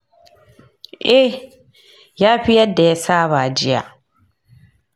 eh, ya fi yadda ya saba jiya.